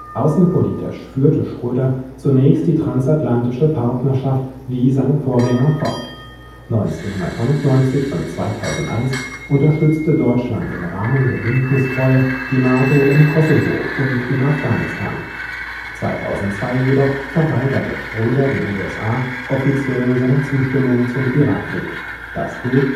Außenpolitisch führte Schröder zunächst die transatlantische Partnerschaft wie seine Vorgänger fort: 1999 und 2001 unterstützte Deutschland im Rahmen der Bündnistreue die NATO im Kosovo und in Afghanistan. 2002 jedoch verweigerte Schröder den USA offiziell seine Zustimmung zum Irak-Krieg. Das gilt